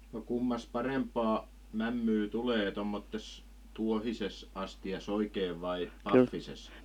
no kummassa parempaa mämmiä tulee tuommoisessa tuohisessa astiassa oikein vai pahvisessa